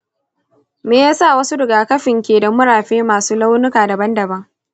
me ya sa wasu rigakafin ke da murafe masu launuka daban-daban?